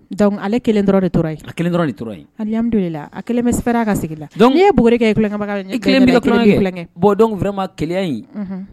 Donc ale 1 dɔrɔn de to la yen. A kelen dɔrɔn de to la yen. Alihamidulihi, a 1 bɛ fɛrɛ a ka sigili la. donc . Ni ye buguri kɛ i tulonkɛbaga I kelen b'i ka tulon kɛ. Bon, donc, vraiment kelenya in. Unhun.